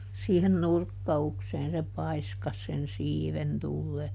siihen nurkkaukseen se paiskasi sen siiven tulemaan